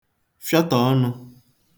fịọtọ̀ ọnụ̄